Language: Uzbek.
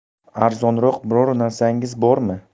arzonroq biror narsangiz bormi